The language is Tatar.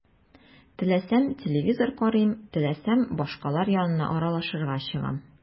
Теләсәм – телевизор карыйм, теләсәм – башкалар янына аралашырга чыгам.